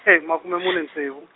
e makume mune ntsevu.